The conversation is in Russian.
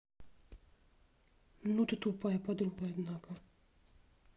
ну ты тупая подруга однако